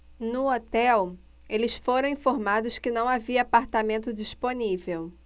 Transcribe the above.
no hotel eles foram informados que não havia apartamento disponível